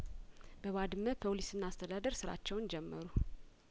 በባድመ ፖሊስና አስተዳደር ስራቸውን ጀመሩ